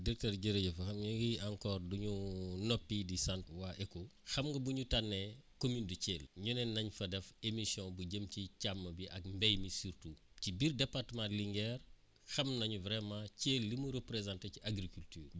directeur jërëjëf waaw ñoo ngi encore du ñu noppi di sant waa ECHO xam nga bu ñu tànnee commune bu Thièl ñu ne nañ fa def émission bu jëm ci càmm gi ak mbéy mi surtout ci biir département Linguère xam nañu vraiment Thièl li mu représenté ci agriculture